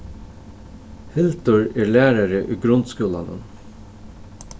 hildur er lærari í grundskúlanum